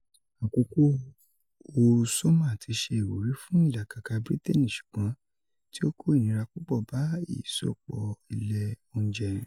Àkókò oru sọ́mà ti ṣe ìwúrì fún ìlàkakà Briteni ṣùgbọ́n tí ó kó ìnira púpọ̀ bá ìsopọ ilé oúnjẹ.